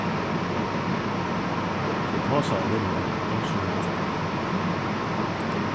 tey tosaðu við meg um sínar ætlanir